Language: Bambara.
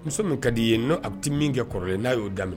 Muso min ka d dii ye n'o a bɛ tɛ min kɛ kɔrɔ ye n'a y'o da